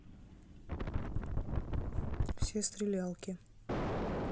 все стрелялки